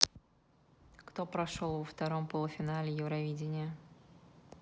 кто прошел во втором полуфинале евровидения